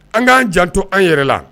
An k'an janto an yɛrɛ la